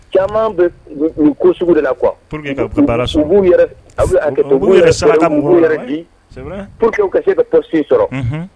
Caman be u be nin ko sugu de la quoi pourque u b'u yɛrɛ aw bi hakɛto u b'u yɛrɛ feere u b'u yɛrɛ di c'est vrai pour que u ka se ka torche in sɔrɔ unhun